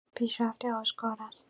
پیشرفتی آشکار است.